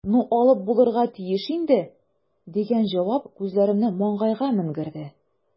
"ну, алып булырга тиеш инде", – дигән җавап күзләремне маңгайга менгерде.